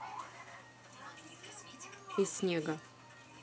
из снега